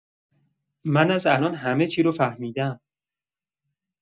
من از الان همه‌چی رو فهمیدم.